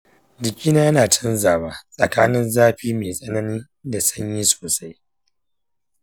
jikina yana canzawa tsakanin zafi mai tsanani da sanyi sosai.